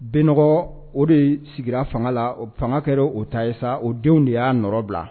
Bɛnɔgɔ o de ye sigira fanga la fanga kɛra o ta ye sa o denw de y'aɔrɔ bila